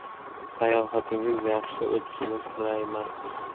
sayohatingiz yaxshi otishini tilayman